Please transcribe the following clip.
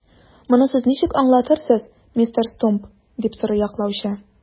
Моны сез ничек аңлатасыз, мистер Стумп? - дип сорый яклаучы.